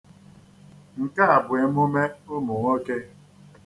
Nke a bụ emume ụmụnwoke.